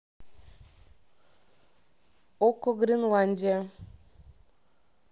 okko гринландия